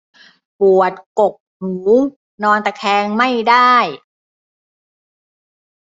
ปวดกกหูนอนตะแคงไม่ได้